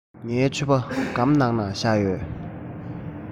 ངའི ཕྱུ པ སྒམ ནང ལ བཞག ཡོད